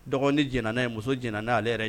Dɔgɔnin jɛnna na ye, muso jɛnna na ye , ale yɛrɛ